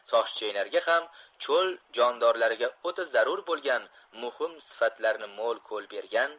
toshchaynarga ham cho'l jondorlariga o'ta zarur bo'lgan muhim sifatlami mo'l ko'l bergan